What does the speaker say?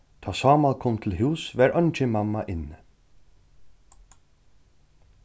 tá sámal kom til hús var eingin mamma inni